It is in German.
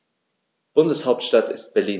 Bundeshauptstadt ist Berlin.